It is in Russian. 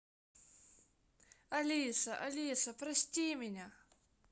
алиса алиса прости меня